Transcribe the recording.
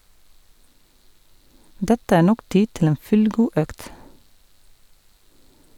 Dette er nok tid til en fullgod økt.